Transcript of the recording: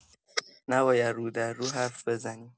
نباید رو در رو حرف بزنیم.